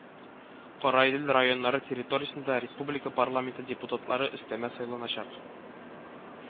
Караидел районнары территориясендә республика парламенты депутатлары өстәмә сайланачак